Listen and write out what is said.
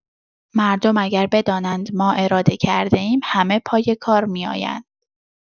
مردم اگر بدانند ما اراده کرده‌ایم همه پای کار می‌آیند.